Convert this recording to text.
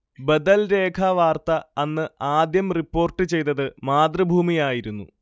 ബദൽരേഖാ വാർത്ത അന്ന് ആദ്യം റിപ്പോർട്ടുചെയ്തത് മാതൃഭൂമിയായിരുന്നു